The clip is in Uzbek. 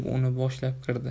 uni boshlab kirdi